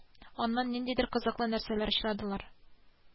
Яңа эш атнасы уңышлы узсын!